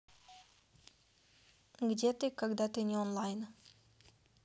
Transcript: где ты когда ты не онлайн